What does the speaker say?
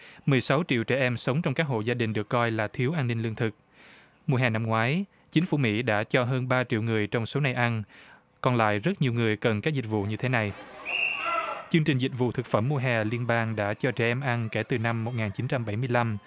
mười sáu triệu trẻ em sống trong các hộ gia đình được coi là thiếu an ninh lương thực mùa hè năm ngoái chính phủ mỹ đã cho hơn ba triệu người trong số này ăn còn lại rất nhiều người cần các dịch vụ như thế này chương trình dịch vụ thực phẩm mùa hè liên bang đã cho trẻ em ăn kể từ năm một nghìn chín trăm bảy mươi lăm